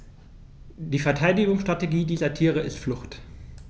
Die Verteidigungsstrategie dieser Tiere ist Flucht.